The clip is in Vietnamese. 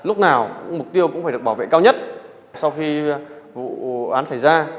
lúc nào cũng mục tiêu cũng phải được bảo vệ cao nhất sau khi vụ án xảy ra